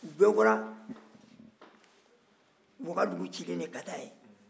u bɛɛ bɔra wagadugu cilen de ka taa yen